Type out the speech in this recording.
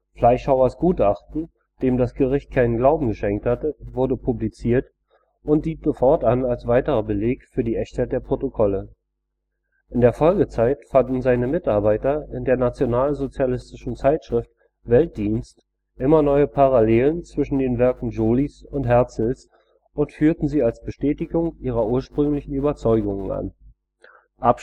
Fleischhauers Gutachten, dem das Gericht keinen Glauben geschenkt hatte, wurde publiziert und diente fortan als weiterer Beleg für die Echtheit der Protokolle. In der Folgezeit fanden seine Mitarbeiter in der nationalsozialistischen Zeitschrift Welt-Dienst immer neue Parallelen zwischen den Werken Jolys und Herzls und führten sie als Bestätigung ihrer ursprünglichen Überzeugungen an